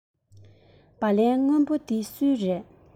སྦ ལན སྔོན པོ འདི སུའི རེད